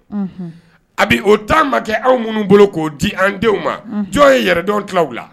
Unhun Habi o temps ma kɛ anw minnu bolo k'o di an denw ma unhun jɔn ye yɛrɛdɔn tila u la